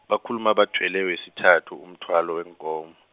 bakhuluma bathwele wesithathu umthwalo weenkomo.